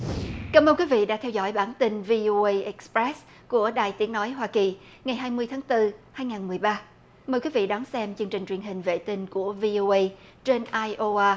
cảm ơn quý vị đã theo dõi bản tin vi ô ây ích bét của đài tiếng nói hoa kỳ ngày hai mươi tháng tư hai ngàn mười ba mời quý vị đón xem chương trình truyền hình vệ tinh của vi ô ây trên ai ô a